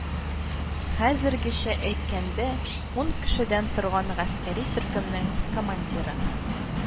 Хәзергечә әйткәндә, ун кешедән торган гаскәри төркемнең командиры